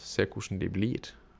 Se kossjn de blir.